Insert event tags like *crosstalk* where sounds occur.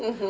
*hesitation* *hesitation*